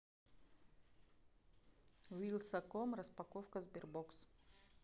wylsacom распаковка sberbox